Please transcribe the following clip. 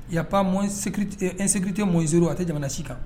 Ya nsigi tɛ mɔnz a tɛ jamana si kan